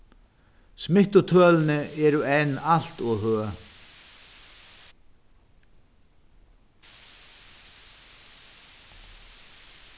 smittutølini eru enn alt ov høg